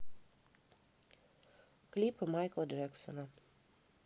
клипы майкла джексона